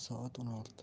soat o'n olti